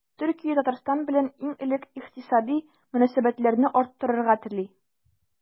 Төркия Татарстан белән иң элек икътисади мөнәсәбәтләрне арттырырга тели.